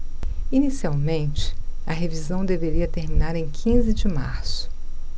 inicialmente a revisão deveria terminar em quinze de março